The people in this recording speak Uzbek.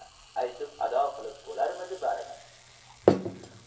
aytib ado qilib bo'larmidi barini